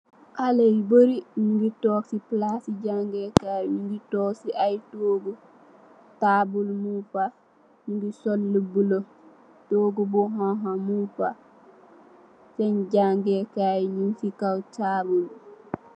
Xaleh yu bari nyugi tog si palaci jangeh kai bi tog si ay togu tabul mung fa nyu gi sol lu bulo togu bu xonxa mung fa sen jangeh kai bi mung si kaw tabul bi.